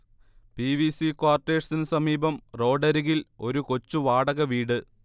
P. V. C ക്വാർട്ടേഴ്സിന് സമീപം റോഡരികിൽ ഒരു കൊച്ചുവാടകവീട്